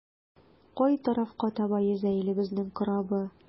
Кай тарафка таба йөзә илебезнең корабы?